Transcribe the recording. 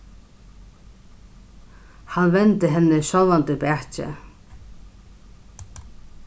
hann vendi henni sjálvandi bakið